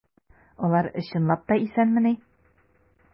Алар чынлап та исәнмени?